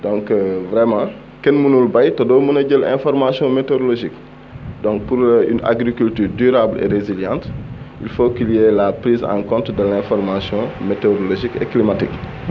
donc vraiment kenn mënul bay te doo mën a jël information métérologique donc pour une agriculture durable et résiliante il faut qu' il y ait la prise en compte de l' information météorologique et climatique